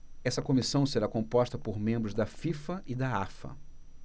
essa comissão será composta por membros da fifa e da afa